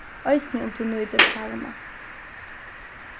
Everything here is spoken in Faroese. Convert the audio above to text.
eisini um tú nýtir sauna